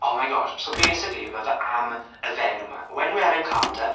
Oh my gosh so basically ma' fe am y fenyw 'ma o enw Erin Carter